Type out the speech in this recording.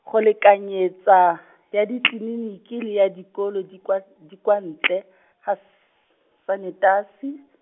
go lekanyetsa, ya ditleliniki le ya dikolo di kwa di kwa ntle , ga s- sanetasi.